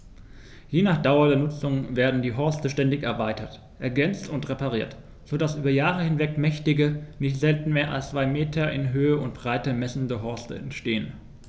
Je nach Dauer der Nutzung werden die Horste ständig erweitert, ergänzt und repariert, so dass über Jahre hinweg mächtige, nicht selten mehr als zwei Meter in Höhe und Breite messende Horste entstehen.